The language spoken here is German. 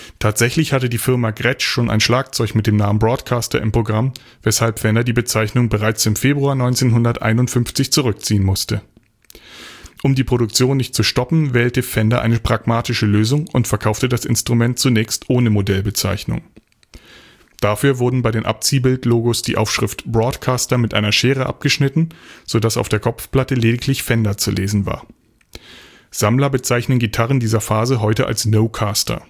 Tatsächlich hatte die Firma Gretsch schon ein Schlagzeug mit dem Namen „ Broadkaster “im Programm, weshalb Fender die Bezeichnung bereits im Februar 1951 zurückziehen musste. Um die Produktion nicht zu stoppen, wählte Fender eine pragmatische Lösung und verkaufte das Instrument zunächst ohne Modellbezeichnung. Dafür wurden bei den Abziehbild-Logos die Aufschrift „ Broadcaster “mit einer Schere abgeschnitten, so dass auf der Kopfplatte lediglich „ Fender “zu lesen war. Sammler bezeichnen Gitarren dieser Phase heute als Nocaster